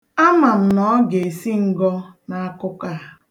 Ama m na ọ ga-esi ngọ n'akụkọ a.